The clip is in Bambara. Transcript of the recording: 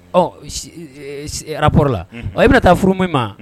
Ɔ arapo la ɔ i bɛna taa furu min ma